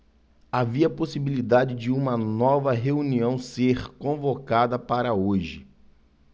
havia possibilidade de uma nova reunião ser convocada para hoje